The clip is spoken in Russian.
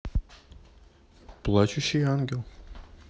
плачущий ангел